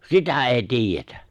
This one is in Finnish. sitä ei tiedetä